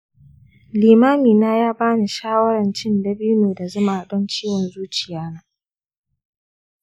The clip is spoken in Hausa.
limami na ya bani shawaran cin dabino da zuma don ciwon zuciya na.